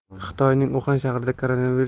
xitoyning uxan shahrida koronavirus